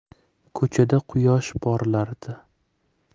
ko'chada quyosh porlardi